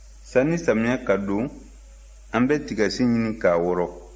sani samiyɛ ka don an bɛ tigasi ɲini k'a wɔrɔ